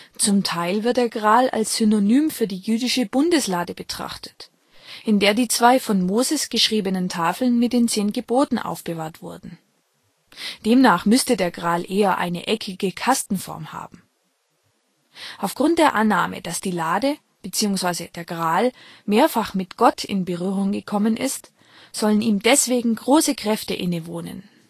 zum Teil als Synonym für die jüdische Bundeslade betrachtet, in der die zwei von Moses geschriebenen Tafeln mit den 10 Geboten aufbewahrt wurden. Demnach müsste der Gral eher eine eckige Kastenform haben. Aufgrund der Annahme, dass die Lade bzw. der Gral mehrfach mit Gott in Berührung gekommen ist, sollen ihm deswegen große Kräfte innewohnen